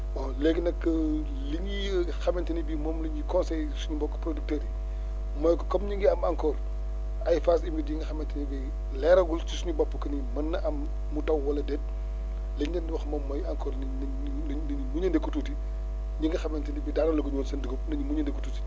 bon léegi nag li ñuy xamante ne bii moom la ñuy conseiller suñu mbokk producteurs yi mooy que comme ñu ngi am encore ay phases humides yi nga xamante ni bii leeragul ci suñu bopp que ni mën na am mu taw wala déet li ñu leen di wax moom mooy encore nañ nañ nañ muñandeku tuuti ñi nga xamante ne bii daanalaguñ woon seen dugub nañ muñandeku tuuti